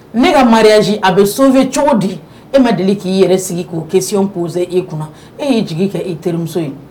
Ne ka mariage a bɛ sauver cogo di? e ma deli k'i yɛrɛ sigi question posée e kunna e y'i jigi kɛ i terimuso ye!